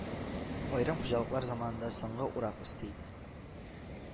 Аерым хуҗалыклар заманында соңгы урак өсте иде